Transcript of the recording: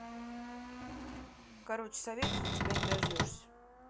короче советов от тебя не дождешься